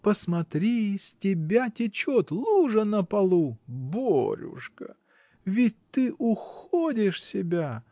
Посмотри, с тебя течет: лужа на полу! Борюшка! ведь ты уходишь себя!